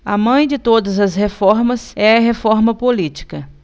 a mãe de todas as reformas é a reforma política